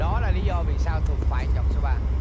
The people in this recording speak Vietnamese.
đó là lý do vì sao tôi phải chọn số ba